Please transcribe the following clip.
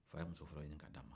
fa ye muso fɔlɔ ɲini ka d'a ma